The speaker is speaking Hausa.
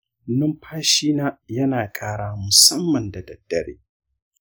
numfashi na yana ƙara musamman da daddare.